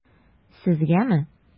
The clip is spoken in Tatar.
Сезгәме?